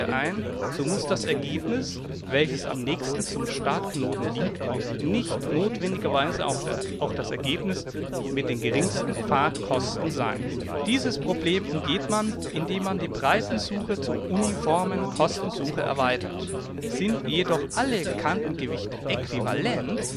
ein, so muss das Ergebnis, welches am nächsten zum Startknoten liegt, nicht notwendigerweise auch das Ergebnis mit den geringsten Pfadkosten sein. Dieses Problem umgeht man, indem man die Breitensuche zur Uniformen Kostensuche erweitert. Sind jedoch alle Kantengewichte äquivalent